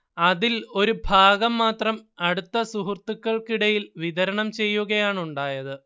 അതിൽ ഒരുഭാഗം മാത്രം അടുത്ത സുഹൃത്തുക്കൾക്കിടയിൽ വിതരണം ചെയ്യുകയാണുണ്ടായത്